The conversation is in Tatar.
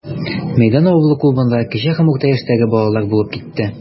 Мәйдан авылы клубында кече һәм урта яшьтәге балалар булып китте.